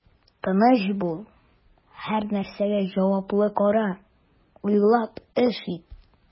Тыныч бул, һәрнәрсәгә җаваплы кара, уйлап эш ит.